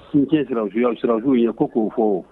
ko k'o fɔ